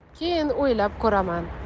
keyin o'ylab ko'raman